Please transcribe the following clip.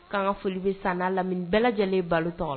K' ka foli bɛ san' lam bɛɛ lajɛlen balo tɔgɔ la